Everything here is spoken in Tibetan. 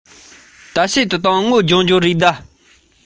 ཁྱིམ ཚང གསར བའི ནང དུ བདག ལ